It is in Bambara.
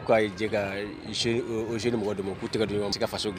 U k'a jɛɛ ka usine o Ozone mɔgɔ dɛmɛ u k'u tɛgɛ di ɲɔgɔn man ka se ka faso ŋ